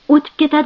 o'tib ketadi